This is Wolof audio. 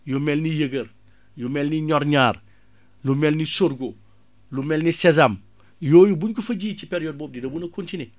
yu mel ni yëgël yu mel ni ñor-ñaar yu mel ni sorgho lu mel ni sesame yooyu buñ ko fa jiwee ci période boobu dina mën a continuer